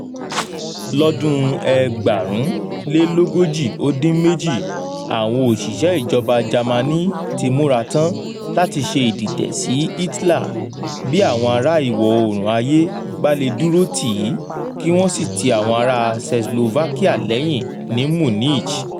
Lọ́dún 1938, àwọn òṣìṣẹ́ ìjọba Jámánì ti múra tán láti ṣe ìdìtẹ̀ sí Hitler, bí àwọn ará Ìwọ̀ Oòrùn ayé bá lè dúró tì í kí wọ́n sì ti àwọn ará Czechoslovakia lẹ́yìn ní Munich.